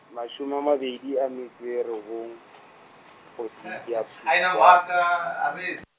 mashome a mabedi a metso e robong, kgwedi ke ya Phupjane.